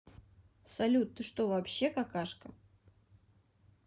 салют ты что вообще какашка